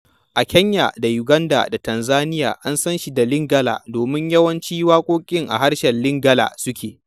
A Kenya da Uganda da Tanzania an san shi da Lingala domin yawancin waƙoƙin a harshen Lingala suke.